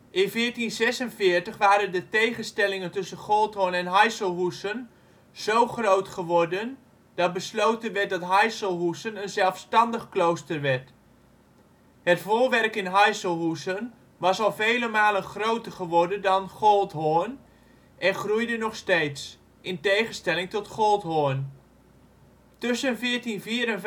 In 1446 waren de tegenstellingen tussen Goldhoorn en Heiselhusen zo groot geworden, dat besloten werd dat Heiselhusen een zelfstandig klooster werd. Het voorwerk in Heiselhusen was al vele malen groter geworden dan Goldhoorn en groeide nog steeds, in tegenstelling tot Goldhoorn. Tussen 1454 en 1494